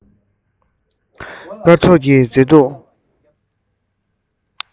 སྐར ཚོགས ཀྱི མཛེས སྡུག